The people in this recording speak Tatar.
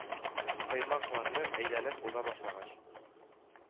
“коймак”ларны әйләнеп уза башлагач,